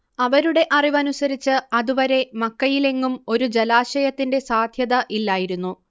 അവരുടെ അറിവനുസരിച്ച് അത് വരെ മക്കയിലെങ്ങും ഒരു ജലാശയത്തിന്റെ സാധ്യത ഇല്ലായിരുന്നു